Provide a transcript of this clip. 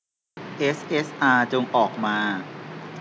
เอสเอสอาร์จงออกมา